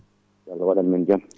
yo Allah waɗan men jaam